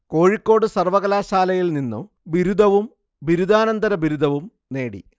കോഴിക്കോട് സർവകലാശായിൽ നിന്ന് ബിരുദവും ബിരുദാനന്തര ബിരുദവും നേടി